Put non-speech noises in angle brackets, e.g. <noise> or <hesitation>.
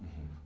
<hesitation> <hesitation>